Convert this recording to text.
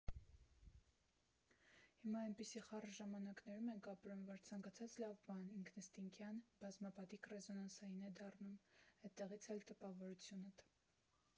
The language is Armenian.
Հիմա էնպիսի խառը ժամանակներում ենք ապրում, որ ցանկացած լավ բան ինքնըստինքյան բազմապատիկ ռեզոնանսային է դառնում, էդտեղից էլ տպավորությունդ։